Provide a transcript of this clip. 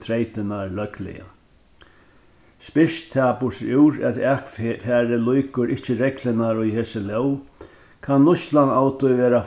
treytirnar løgliga spyrst tað burturúr lýkur ikki reglurnar í hesi lóg kann nýtslan av tí verða